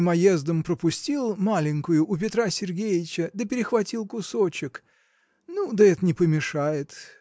мимоездом пропустил маленькую у Петра Сергеича да перехватил кусочек. Ну, да это не помешает.